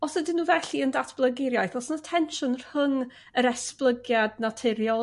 Os ydyn n'w felly yn datblygu'r iaith oes 'na tensiwn rhwng yr esblygiad naturiol